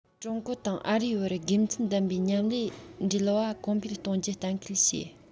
ཀྲུང གོ དང ཨ རིའི བར དགེ མཚན ལྡན པའི མཉམ ལས འབྲེལ བ གོང འཕེལ གཏོང རྒྱུ གཏན འཁེལ བྱས